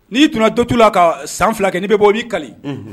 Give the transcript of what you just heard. N'i tun donna dɔtu la ka san fila kɛ ni bɛ bɔ' ni kali